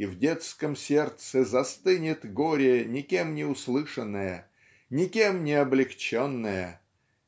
и в детском сердце застынет горе никем не услышанное никем не облегченное